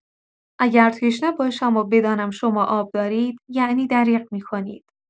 اگر تشنه باشم و بدانم شما آب دارید، یعنی دریغ می‌کنید.